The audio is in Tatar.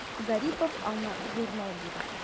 Гарипов аңа журнал бирә.